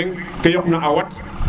ke yok na a wat